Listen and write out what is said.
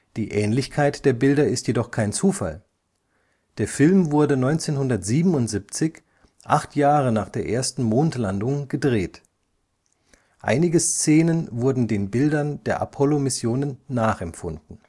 Die Ähnlichkeit der Bilder ist jedoch kein Zufall – der Film wurde 1977, acht Jahre nach der ersten Mondlandung, gedreht. Einige Szenen wurden den Bildern der Apollo-Missionen nachempfunden